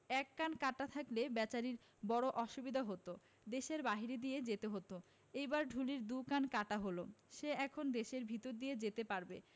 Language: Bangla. এক কান কাটা থাকলে বেচারির বড়ো অসুবিধা হত দেশের বাইরে দিয়ে যেতে হত এইবার ঢুলির দু কান কাটা হলসে এখন দেশের ভিতর দিয়ে যেতে পারবে